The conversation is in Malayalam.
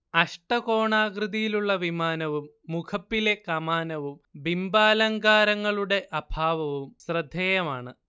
അഷ്ടകോണാകൃതിയിലുള്ള വിമാനവും മുഖപ്പിലെ കമാനവും ബിംബാലങ്കാരങ്ങളുടെ അഭാവവും ശ്രദ്ധേയമാണ്